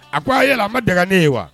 A ko, a yala a ma daga, ne ye wa?